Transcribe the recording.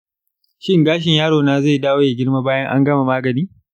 shin gashin yaro na zai dawo ya girma bayan an gama magani?